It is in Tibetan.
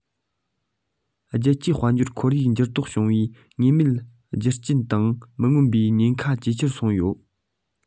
རྒྱལ སྤྱིའི དཔལ འབྱོར ཁོར ཡུག འགྱུར ལྡོག འབྱུང བའི ངེས མེད རྒྱུ རྐྱེན དང མི མངོན པའི ཉེན ཁ ཇེ ཆེར སོང ཡོད